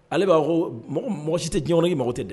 Ale b'a ko mɔgɔ mɔgɔ si tɛ jɔn ni mɔgɔ tɛ dɛ